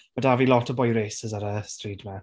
Ma' 'da fi lot o boy racers ar y stryd 'ma.